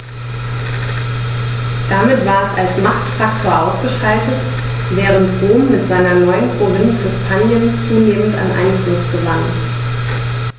Damit war es als Machtfaktor ausgeschaltet, während Rom mit seiner neuen Provinz Hispanien zunehmend an Einfluss gewann.